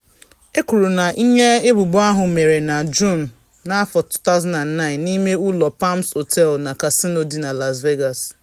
Ekwuru na ihe ebubo ahụ mere na Juun 2009 n’ime ụlọ Palms Hotel and Casino dị na Las Vegas.